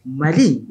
Mali